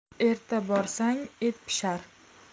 erta borsang et pishar